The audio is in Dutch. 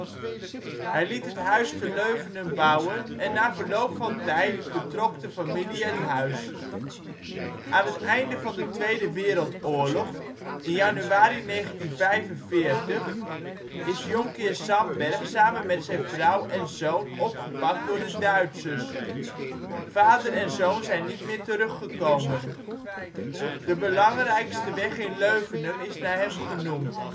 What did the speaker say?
Hij liet het Huis te Leuvenum bouwen en na verloop van tijd betrok de familie het huis. Aan het einde van de Tweede Wereldoorlog, in januari 1945, is Jonkheer Sandberg samen met zijn vrouw en zoon opgepakt door de Duitsers. Vader en zoon zijn niet meer terug gekomen. De belangrijkste weg in Leuvenum is naar hem vernoemd